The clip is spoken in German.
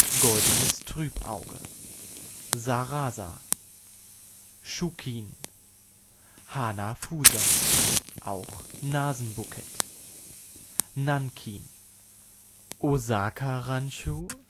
Goldenes Trübauge) Sarasa Shukin Hanafusa (Nasenbukett) Nankin Osaka-Ranchu